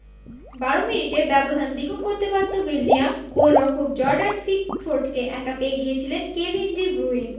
১২ মিনিটে ব্যবধান দ্বিগুণ করতে পারত বেলজিয়াম গোলরক্ষক জর্ডান পিকফোর্ডকে একা পেয়ে গিয়েছিলেন কেভিন ডি ব্রুইন